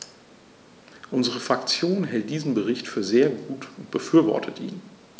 Unsere Fraktion hält diesen Bericht für sehr gut und befürwortet ihn.